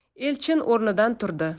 elchin o'rnidan turdi